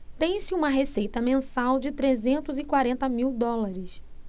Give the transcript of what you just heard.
tem-se uma receita mensal de trezentos e quarenta mil dólares